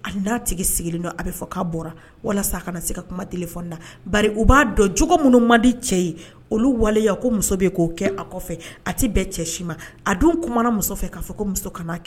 A n' tigi sigilen don a bɛ fɔ k' walasa se ka kuma deli ba u b'a dɔnogo minnu ma di cɛ ye olu waleya ko muso bɛ k'o kɛ a kɔfɛ a tɛ bɛn cɛ si ma a don kuma muso fɛ k'a fɔ ko muso kan